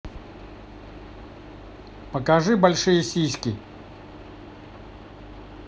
покажи большие сиськи